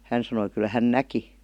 hän sanoi kyllä hän näki